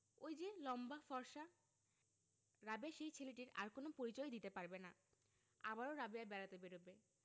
ঐ যে লম্বা ফর্সা রাবেয়া সেই ছেলেটির আর কোন পরিচয়ই দিতে পারবে না আবারও রাবেয়া বেড়াতে বেরুবে